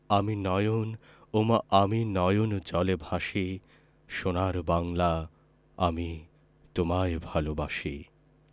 আমি নয়ন ওমা আমি নয়ন জলে ভাসি সোনার বাংলা আমি তোমায় ভালবাসি